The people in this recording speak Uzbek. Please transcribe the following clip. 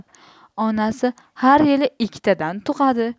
onasi har yili ikkitadan tug'adi